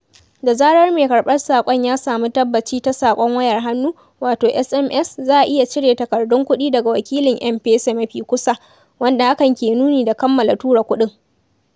Da zarar mai karɓar saƙon ya samu tabbaci ta saƙon wayar hannu, wato SMS, za a iya cire takardun kuɗi daga wakilin M-PESA mafi kusa, wanda hakan ke nuni da kammala tura kuɗin.